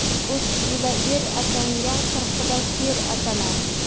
o'ttizida er atangan qirqida sher atanar